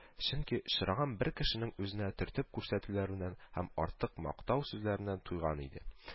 Чөнки очраган бер кешенең үзенә төртеп күрсәтүләреннән һәм артык мактау сүзләреннән туйган иде